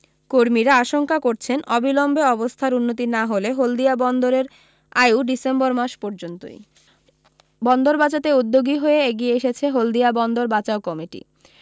কর্মীরা আশঙ্কা করছেন অবিলম্বে অবস্থার উন্নতি না হলে হলদিয়া বন্দরের আয়ু ডিসেম্বর মাস পর্যন্তই বন্দর বাঁচাতে উদ্যোগী হয়ে এগিয়ে এসেছে হলদিয়া বন্দর বাঁচাও কমিটি